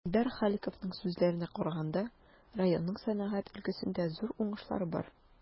Илдар Халиковның сүзләренә караганда, районның сәнәгать өлкәсендә зур уңышлары бар.